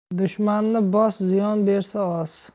dushmanni bos ziyon bersa os